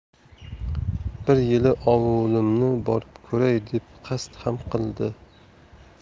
bir yili ovulimni borib ko'ray deb qasd ham qildi